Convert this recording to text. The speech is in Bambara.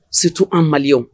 Situ an maliwu